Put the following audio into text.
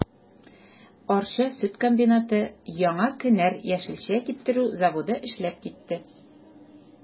Арча сөт комбинаты, Яңа кенәр яшелчә киптерү заводы эшләп китте.